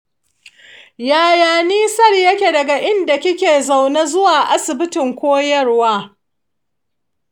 yaya nisan yake daga inda kike zaune zuwa asibitin koyarwa?